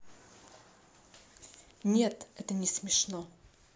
нет это не смешно